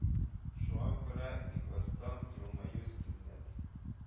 Шуңа күрә ихластан елмаю сөннәт